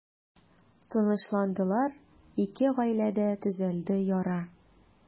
Тынычландылар, ике гаиләдә төзәлде яра.